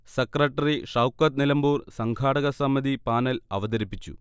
secretary Shoukath Nilambur സംഘാടക സമിതി panel അവതരിപ്പിച്ചു